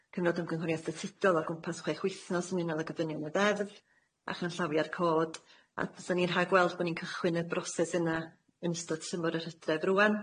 cyfnod ymgynghoriad statudol o gwmpas chwech wythnos yn unol â gofynion y deddf a chanllawia'r cod, a fyswn i'n rhagweld bo' ni'n cychwyn y broses yna yn ystod tymor yr hydref rŵan.